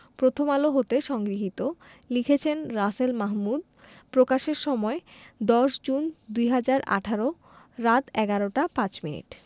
প্রথমআলো হতে সংগৃহীত লিখেছেন রাসেল মাহ্ মুদ প্রকাশের সময় ১০ জুন ২০১৮ রাত ১১টা ৫ মিনিট